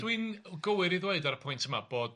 A dwi'n gywir i ddweud ar y pwynt yma bod